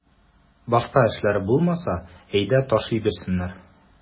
Башка эшләре булмаса, әйдә ташый бирсеннәр.